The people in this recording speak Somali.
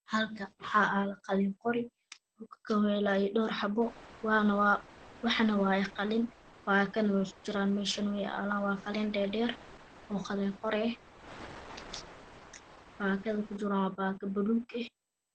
Halkan waxaa aalo qalin qori dhowr xaba ah waxana wayo qalin waxay kujiraan baakad ayay kujiraan waana qalin dhee dheer oo qalin qori eh baakada ay kujiran waa baako buluug eh